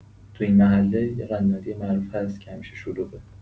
تو این محله، یه قنادی معروف هست که همیشه شلوغه.